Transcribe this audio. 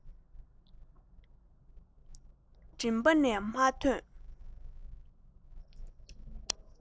གླུ མགྲིན པ ནས མ ཐོན